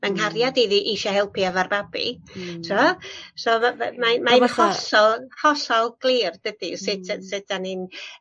ma' nghariad i fi isio helpu efo'r babi t'wel? So fy- fy- mae mae'n hollol hollol glir dydi sut yy sut 'dan ni'n